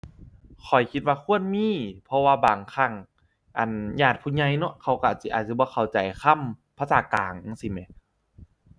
ข้อยคิดว่าควรมี เพราะว่าบางครั้ง อั่น ญาติผู้ใหญ่เนาะเขาก็สิอาจสิบ่เข้าใจคำภาษากลางจั่งซี้แหม